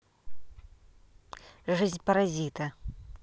жизнь паразита